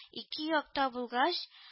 Ике якта булгач